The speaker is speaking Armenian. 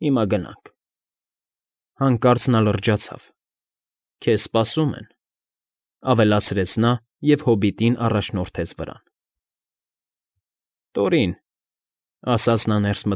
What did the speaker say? Հիմա գնանք…֊ Հանկարծ նա լրջացավ։֊ Քեզ սպասում են,֊ ավելացրեց նա և հոբիտին առաջորդեց վրան։֊ Տորին…֊ ասաց նա ներս։